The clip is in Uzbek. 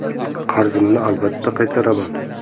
qarzimni albatta qaytaraman